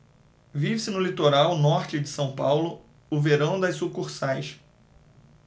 vive-se no litoral norte de são paulo o verão das sucursais